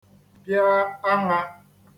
pịa aṅa